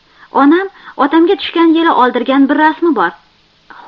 onam otamga tushgan yili oldirgan bir rasmi bor